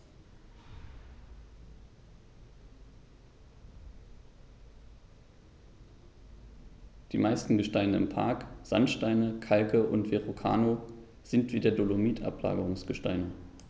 Die meisten Gesteine im Park – Sandsteine, Kalke und Verrucano – sind wie der Dolomit Ablagerungsgesteine.